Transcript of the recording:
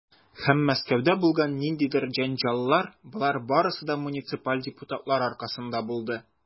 Һәм Мәскәүдә булган ниндидер җәнҗаллар, - болар барысы да муниципаль депутатлар аркасында булды.